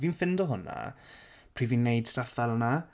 Fi'n ffeindio hwnna pryd fi'n wneud stwff fel hwnna.